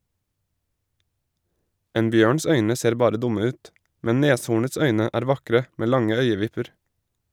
En bjørns øyne ser bare dumme ut, men neshornets øyne er vakre, med lange øyevipper.